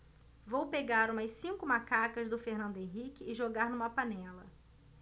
vou pegar umas cinco macacas do fernando henrique e jogar numa panela